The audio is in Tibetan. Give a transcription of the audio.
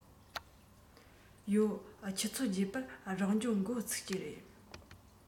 ཡོད ཆུ ཚོད བརྒྱད པར རང སྦྱོང འགོ ཚུགས ཀྱི རེད